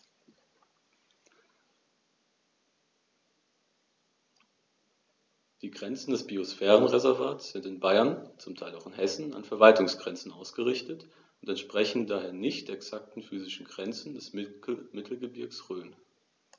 Die Grenzen des Biosphärenreservates sind in Bayern, zum Teil auch in Hessen, an Verwaltungsgrenzen ausgerichtet und entsprechen daher nicht exakten physischen Grenzen des Mittelgebirges Rhön.